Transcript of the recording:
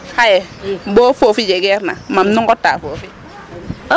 xaye bo foofi jegeerna mam nu nqotaa foofi.